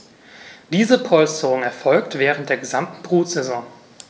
Diese Polsterung erfolgt während der gesamten Brutsaison.